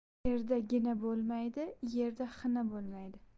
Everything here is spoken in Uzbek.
erda gina bo'lmaydi yerda xina bo'lmaydi